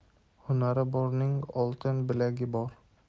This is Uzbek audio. hunari borning oltin bilagi bor